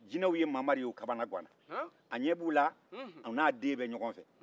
jinɛw ye mamari ye u kamanaganna a ɲɛ b'u la o n'a den bɛ ɲɔgɔn fɛ